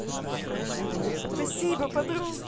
спасибо подруга